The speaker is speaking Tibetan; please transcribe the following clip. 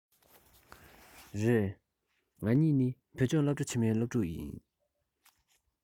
རེད ང གཉིས བོད ལྗོངས སློབ གྲ ཆེན མོའི སློབ ཕྲུག ཡིན